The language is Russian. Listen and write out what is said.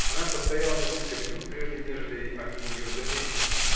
Она постояла несколько минут, прежде нежели они ее заметили.